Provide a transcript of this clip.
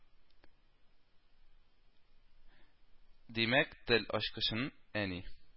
Димәк, тел ачкычын әни